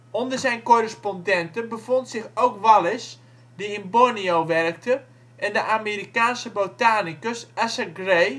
Onder zijn correspondenten bevonden zich ook Wallace (die in Borneo werkte) en de Amerikaanse botanicus Asa Gray, die